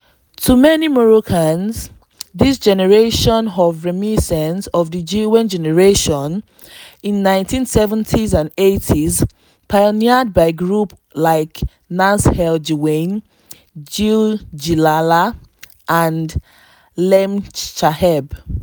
To many Moroccans, this new generation is reminiscent of the Ghiwane generation in the 1970s and 80s, pioneered by groups like Nass El Ghiwane, Jil Jilala and Lemchaheb.